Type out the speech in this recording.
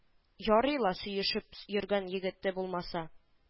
Ярый ла сөешеп йөргән егете булмаса